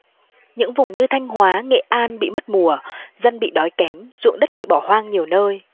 những vùng như thanh hóa nghệ an bị mất mùa dân bị đói kém ruộng đất bị bỏ hoang nhiều nơi